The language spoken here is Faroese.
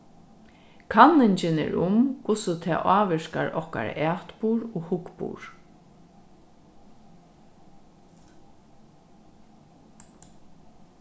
kanningin er um hvussu tað ávirkar okkara atburð og hugburð